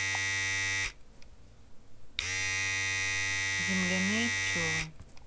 земляные пчелы